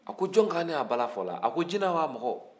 a ko jɔn bɛ ka ne ka bala fɔ jinɛ wa mɔgɔ